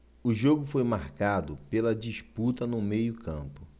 o jogo foi marcado pela disputa no meio campo